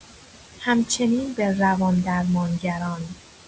همچنین به روان‌درمانگران